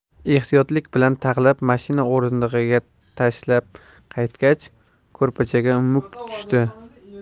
ehtiyotlik bilan taxlab mashina o'rindig'iga tashlab qaytgach ko'rpachaga muk tushdi